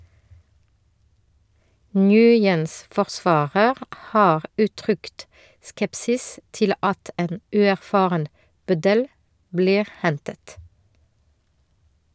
Nguyens forsvarer har uttrykt skepsis til at en uerfaren bøddel blir hentet.